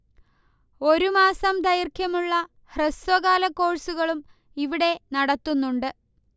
ഒരു മാസം ദൈർഘ്യമുള്ള ഹ്രസ്വകാല കോഴ്സുകളും ഇവിടെ നടത്തുന്നുണ്ട്